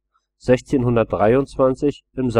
1623, im Saggiatore